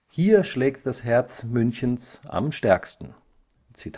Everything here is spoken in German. hier schlägt das Herz Münchens am stärksten! […